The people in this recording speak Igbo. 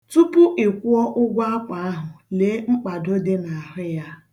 Tupu ị kwụọ ụgwọ akwa ahụ, lee mkpado dị n'ahụ ya.